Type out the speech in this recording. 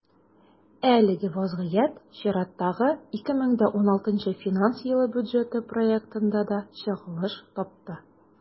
Әлеге вазгыять чираттагы, 2016 финанс елы бюджеты проектында да чагылыш тапты.